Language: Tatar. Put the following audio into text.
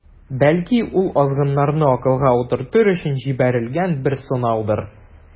Бәлки, ул азгыннарны акылга утыртыр өчен җибәрелгән бер сынаудыр.